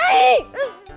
này